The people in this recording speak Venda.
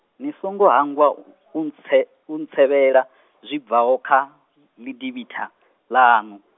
ni songo hangwa u ntse- u ntsevhela, zwi bvaho kha, ḽidivhitha, ḽaṋu.